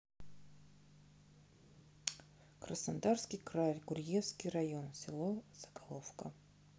краснодарский край гурьевский район село соколовка